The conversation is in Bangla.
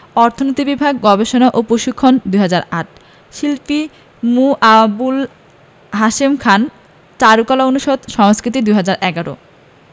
অর্থনীতি বিভাগ গবেষণা ও প্রশিক্ষণ ২০০৮ শিল্পী মু. আবুল হাশেম খান চারুকলা অনুষদ সংস্কৃতি ২০১১